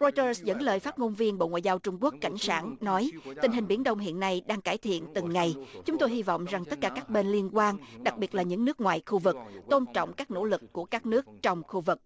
roi tơ dẫn lời phát ngôn viên bộ ngoại giao trung quốc cảnh sảng nói tình hình biển đông hiện nay đang cải thiện từng ngày chúng tôi hy vọng rằng tất cả các bên liên quan đặc biệt là những nước ngoài khu vực tôn trọng các nỗ lực của các nước trong khu vực